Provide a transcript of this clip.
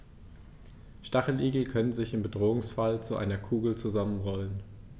Stacheligel können sich im Bedrohungsfall zu einer Kugel zusammenrollen.